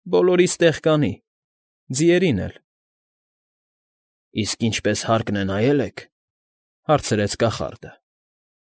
Բոլորիս տեղ կանի, ձիերին էլ։ ֊ Իսկ ինչպես հարկն է նայե՞լ եք,֊ հարցրեց կախարդը։